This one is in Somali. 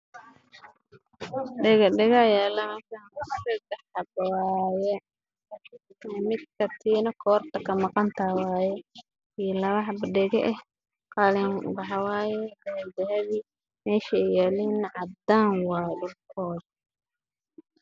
Waa labo katiinaad oo midabkoodu yahay dahabi ah